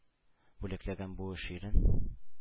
Бүләкләгән бу эш ирен.